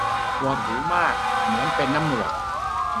ปวดหูมากเหมือนเป็นน้ำหนวก